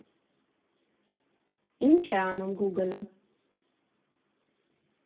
Ի՞նչ է անում Գուգլը.